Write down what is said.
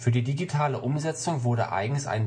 die digitale Umsetzung wurde eigens ein